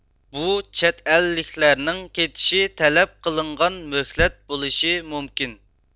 بۇ چەت ئەللىكلەرنىڭ كېتىشى تەلەپ قىلىنغان مۆھلەت بولۇشى مۇمكىن